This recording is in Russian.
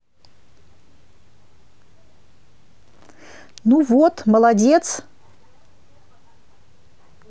ну вот молодец